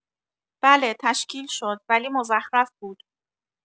بله تشکیل شد ولی مزخرف بود